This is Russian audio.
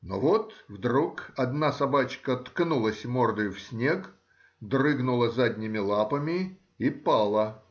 Но вот вдруг одна собачка ткнулась мордою в снег, дрыгнула задними лапами и пала.